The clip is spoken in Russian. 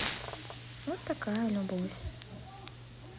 вот такая любовь